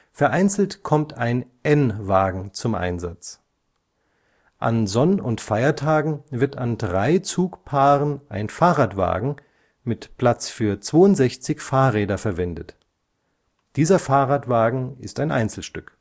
Vereinzelt kommt ein n-Wagen zum Einsatz. An Sonn - und Feiertagen wird an drei Zugpaaren ein Fahrradwagen mit Platz für 62 Fahrräder verwendet. Dieser Fahrradwagen ist ein Einzelstück